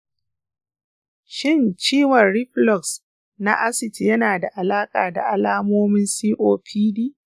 shin ciwon reflux na acid yana da alaƙa da alamomin copd?